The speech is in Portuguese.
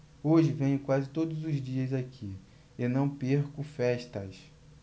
hoje venho quase todos os dias aqui e não perco festas